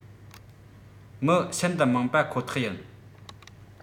མི ཤིན ཏུ མང པ ཁོ ཐག ཡིན